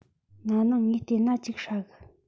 ན ནིང ང བལྟས ན ཅིག ཧྲ གི